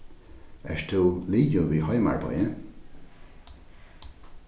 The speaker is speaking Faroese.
ert tú liðug við heimaarbeiðið